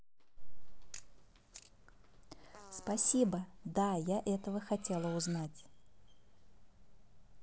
спасибо да я этого хотела узнать